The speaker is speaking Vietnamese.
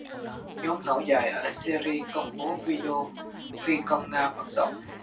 nhóm nổi dậy ở syria công bố video phi công nga bất động